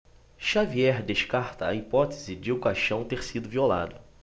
xavier descarta a hipótese de o caixão ter sido violado